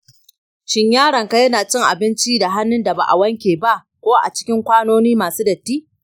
shin yaronka yana cin abinci da hannun da ba a wanke ba ko a cikin kwanoni masu datti?